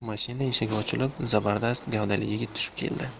mashina eshigi ochilib zabardast gavdali yigit tushib keldi